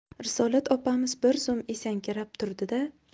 risolat opamiz bir zum esankirab turdi da